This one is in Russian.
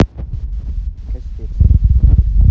костецкий